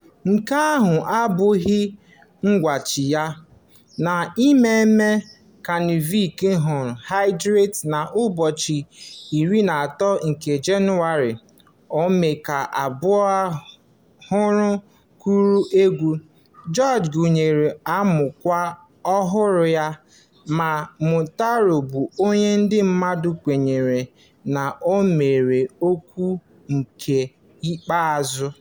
Nke ahụ abụghị ngwucha ya: na mmemme Kanịva ọhụrụ, "Hydrate", n'ụbọchị 13 nke Jenụwarị, omenka abụọ ahụ gụrụ egwu. George gụnyere amookwu ọhụrụ ya ma Montaro bụ onye ndị mmadụ kwenyere na o nwere okwu nke ikpeazụ: